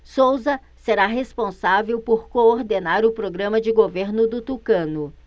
souza será responsável por coordenar o programa de governo do tucano